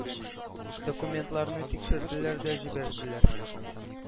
Документларны тикшерделәр дә җибәрделәр.